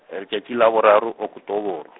letšatši la boraro Oktoboro.